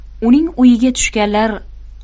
uning uyiga tushganlar